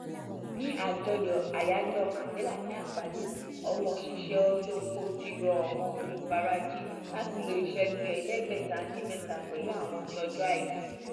Ní àjọyọ̀ Àyájọ́ Mandela ní Àgbáyé, àwọn òṣìṣẹ́ orí oko ti rọ àwọn olùfarajìn láti lo ìṣẹ́jú 67 pẹ̀lú àwọn ní ọjọ́ Àìkú.